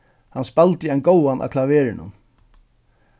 hann spældi ein góðan á klaverinum